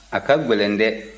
a ka gɛlɛn de